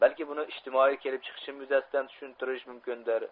balki buni ijtimoiy kelib chiqishim yuzasidan tushuntirish mumkindir